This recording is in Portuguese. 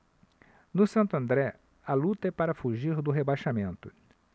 no santo andré a luta é para fugir do rebaixamento